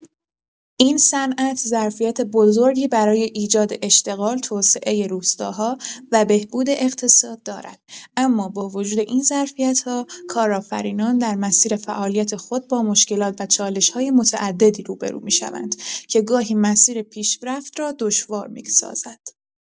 این صنعت ظرفیت بزرگی برای ایجاد اشتغال، توسعه روستاها و بهبود اقتصاد دارد، اما با وجود این ظرفیت‌ها، کارآفرینان در مسیر فعالیت خود با مشکلات و چالش‌های متعددی روبه‌رو می‌شوند که گاهی مسیر پیشرفت را دشوار می‌سازد.